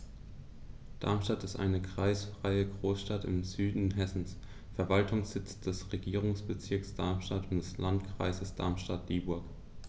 Darmstadt ist eine kreisfreie Großstadt im Süden Hessens, Verwaltungssitz des Regierungsbezirks Darmstadt und des Landkreises Darmstadt-Dieburg.